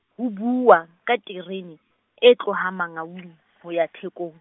ho buuwa ka terene, e tlohang Mangaung, ho ya Thekong.